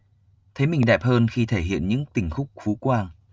thấy mình đẹp hơn khi thể hiện những tình khúc phú quang